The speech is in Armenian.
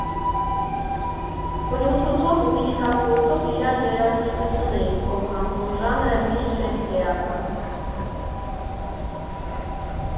Բլութութով ու իկապորտով իրար երաժշտություն էինք փոխանցում, ժանրը միշտ չէր էական։